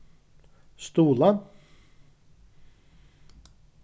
stuðlað